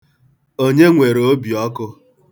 Onye nwere obiọkụ?